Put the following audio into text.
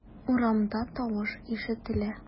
Урамда тавыш ишетелә.